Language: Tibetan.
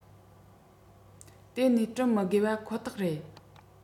དེ ནས བསྐྲུན མི དགོས བ ཁོ ཐག རེད